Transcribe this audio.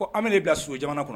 Ko an bin'i bila Soso jamana kuna